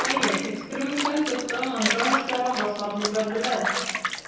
Әйе, эксперименталь цехта монтаж эшләрен башлап җибәрделәр.